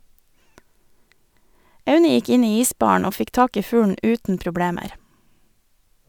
Aune gikk inn i isbaren og fikk tak i fuglen uten problemer.